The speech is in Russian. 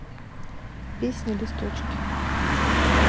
песня листочки